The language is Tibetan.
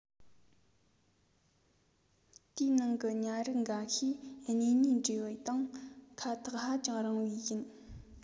དེའི ནང གི ཉ རིགས འགའ ཤས གཉེན ཉེའི འབྲེལ བའི སྟེང ཁ ཐག ཧ ཅང རིང བས ཡིན